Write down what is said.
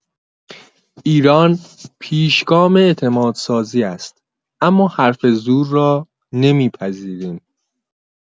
ایران پیشگام اعتمادسازی است، اما حرف زور را نمی‌پذیریم.